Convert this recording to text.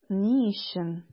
Ни өчен?